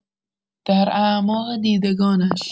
در اعماق دیدگانش